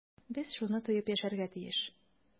Без шуны тоеп яшәргә тиеш.